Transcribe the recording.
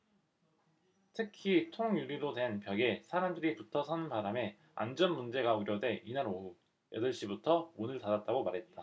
특히 통유리로 된 벽에 사람들이 붙어 서는 바람에 안전 문제가 우려돼 이날 오후 여덟 시부터 문을 닫았다고 말했다